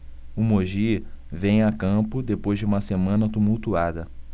o mogi vem a campo depois de uma semana tumultuada